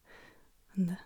Ende.